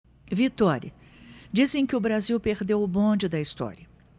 vitória dizem que o brasil perdeu o bonde da história